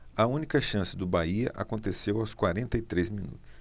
a única chance do bahia aconteceu aos quarenta e três minutos